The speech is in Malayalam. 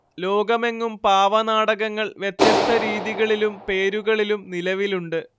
ലോകമെങ്ങും പാവനാടകങ്ങൾ വ്യത്യസ്ത രീതികളിലും പേരുകളിലും നിലവിലുണ്ട്